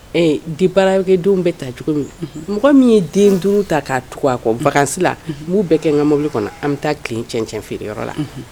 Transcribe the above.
Di baarakɛ denw bɛ ta cogo min mɔgɔ min ye den duuru ta k' a kɔ bagangansi la b'u bɛɛ kɛ ɲɛ mobili kɔnɔ an bɛ taa tilenɛn feereyɔrɔ la